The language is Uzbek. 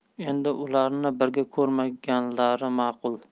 endi ularni birga ko'rmaganlari ma'qul